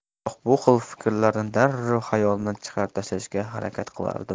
biroq bu xil fikrlarni darrov xayolimdan chiqarib tashlashga harakat qilardim